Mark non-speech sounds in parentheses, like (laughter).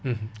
(hesitation) (hesitation)